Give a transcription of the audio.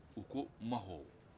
u ko mahɔbɔ